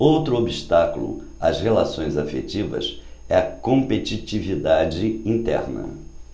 outro obstáculo às relações afetivas é a competitividade interna